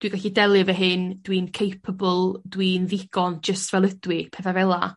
dwi gallu delio efo hyn dwi'n capable dwi'n ddigon jyst fel ydw i petha' fela.